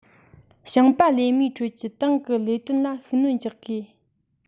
ཞིང པ ལས མིའི ཁྲོད ཀྱི ཏང གི ལས དོན ལ ཤུགས སྣོན རྒྱག དགོས